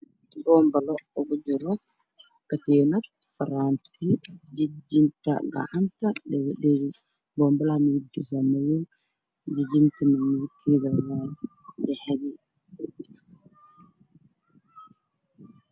Waa boonbalo kaas ayey ku jiraan frantic jijin iyo dhagadhigo oo dahabi ah